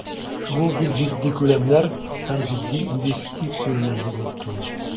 Бу бик җитди күләмнәр һәм җитди инвестицияләр, дип әйтте ул.